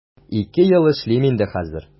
Ике ел эшлим инде хәзер.